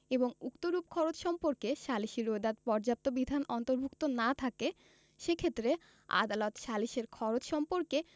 এবং উক্তরূপ খরচ সম্পর্কে সালিসী রোয়েদাদ পর্যাপ্ত বিধান অন্তর্ভুক্ত না থাকে সে ক্ষেত্রে আদালত সালিসের খরচ সম্পর্কে